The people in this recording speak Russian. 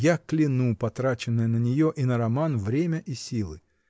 Я кляну потраченное на нее и на роман время и силы.